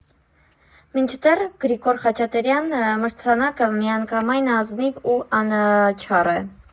Մինչդեռ «Գրիգոր Խաչատրյան» մրցանակը միանգամայն ազնիվ ու անաչառ է։